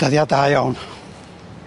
Dyddia da iawn.